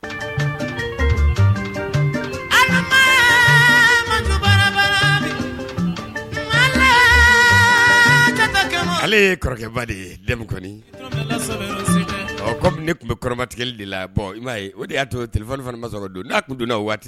Ye kɔrɔkɛba de yemu kɔmi ne tun bɛ kɔrɔbatigɛ de la o de y'a to tile fana ma sɔrɔ don n' tun don waati